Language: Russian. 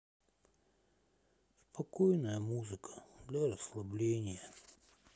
спокойная музыка для расслабления